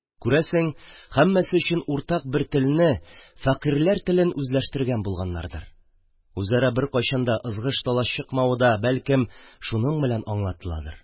Күрәсең, һәммәсе өчен уртак бер телне – фәкыйрьләр телен үзләштергән булганнардыр; үзара беркайчан ызгыш-талаш чыкмавы да бәлкем шуның белән аңлатыладыр